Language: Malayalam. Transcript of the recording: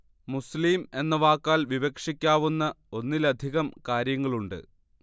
മുസ്ലിം എന്ന വാക്കാൽ വിവക്ഷിക്കാവുന്ന ഒന്നിലധികം കാര്യങ്ങളുണ്ട്